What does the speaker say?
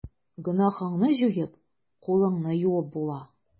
Гөнаһыңны җуеп, кулыңны юып була.